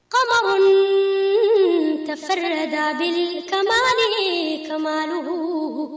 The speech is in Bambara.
Kabasonin tɛ terikɛ da kain kadugu